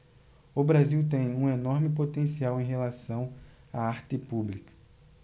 o brasil tem um enorme potencial em relação à arte pública